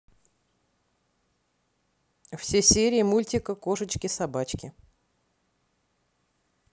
все серии мультика кошечки собачки